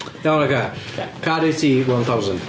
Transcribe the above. Iawn, oce... oce... Caru T one thousand.